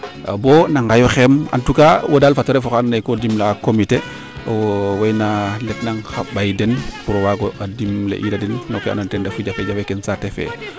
bo na ngoyooxeem en tout cas wo dal fata ref oxa ando naye ko dimle a comité wena letnang xa ɓay den pour o waago dimle iida den no ke ando naye ten refu jafe jafe fee saate fe